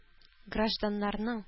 Гражданнарның